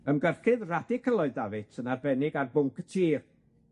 Ymgyrchydd radical oedd Davitt, yn arbennig ar bwnc y tir,